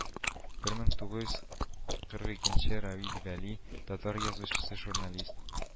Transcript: Бер мең тугыз кырык икенче равил вәли, татар язучысы, журналист